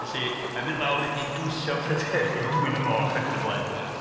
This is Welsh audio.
Felly mae'n mynd lawr i dwyllo Pryderi a dwyn y moch ac yn y blaen.